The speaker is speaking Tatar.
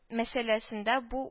Мәсьәләсендә бу